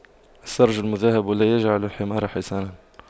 السَّرْج المُذهَّب لا يجعلُ الحمار حصاناً